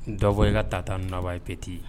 Dɔwbɔ i ka taa n naba ye pte